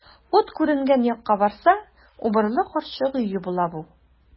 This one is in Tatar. Ут күренгән якка барса, убырлы карчык өе була бу.